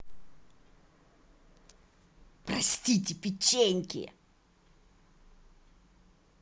простите печеньки